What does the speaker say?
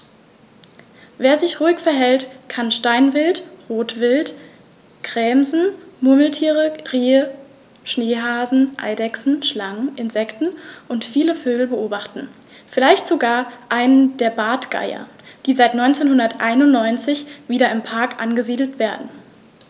Wer sich ruhig verhält, kann Steinwild, Rotwild, Gämsen, Murmeltiere, Rehe, Schneehasen, Eidechsen, Schlangen, Insekten und viele Vögel beobachten, vielleicht sogar einen der Bartgeier, die seit 1991 wieder im Park angesiedelt werden.